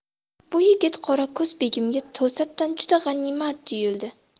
bu yigit qorako'z begimga to'satdan juda g'animat tuyuldi